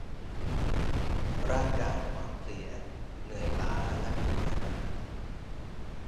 ร่างกายอ่อนเพลียเหนื่อยล้าและเบื่ออาหาร